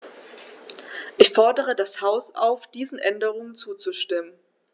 Ich fordere das Haus auf, diesen Änderungen zuzustimmen.